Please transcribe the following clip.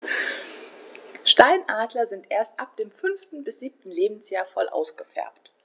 Steinadler sind erst ab dem 5. bis 7. Lebensjahr voll ausgefärbt.